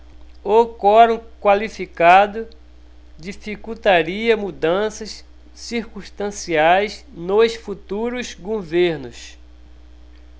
o quorum qualificado dificultaria mudanças circunstanciais nos futuros governos